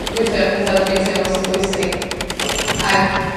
gweithio ar petha dwi'n teimlo sy'n bwysig ag